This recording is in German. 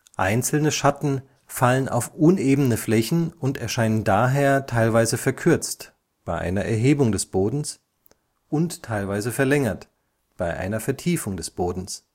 Einzelne Schatten fallen auf unebene Flächen und erscheinen daher teilweise verkürzt (bei einer Erhebung des Bodens) und teilweise verlängert (bei einer Vertiefung des Bodens